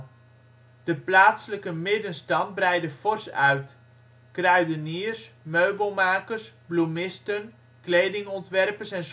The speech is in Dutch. plaatselijke middenstand breidde fors uit. Kruideniers, meubelmakers, bloemisten, kledingontwerpers en